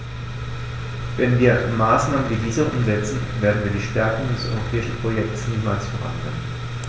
Wenn wir Maßnahmen wie diese umsetzen, werden wir die Stärkung des europäischen Projekts niemals voranbringen.